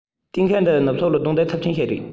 གཏན འཁེལ འདིའི ནུབ ཕྱོགས ལ རྡུང རྡེག ཚབས ཆེན ཞིག རེད